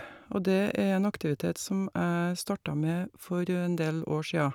Og det er en aktivitet som jeg starta med for en del år sia.